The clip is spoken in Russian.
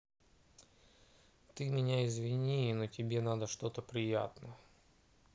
ты извини меня но тебе надо что то приятно